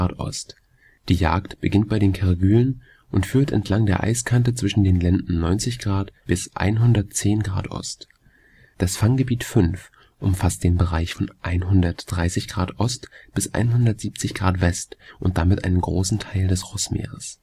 Ost. Die Jagd beginnt bei den Kerguelen und führt entlang der Eiskante zwischen den Länden 90° bis 110° Ost. Das Fanggebiet V umfasst den Bereich von 130° Ost bis 170° West und damit einen Großteil des Rossmeeres